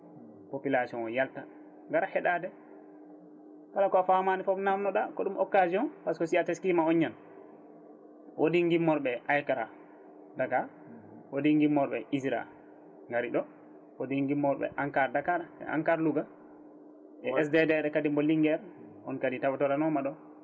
population o yalta gaara heeɗade kala ko famani foof namdoɗa ko ɗum occasion par ce que si a teskima on ñande woodi guimmorɓe AICCRA Dakar woodi guimmorɓe ISRA gaari ɗo woodi guimmorɓe ENCAR Dakar et ENCAR Louga SDDR kadi mo Linguére on kadi tawtoranoma ɗo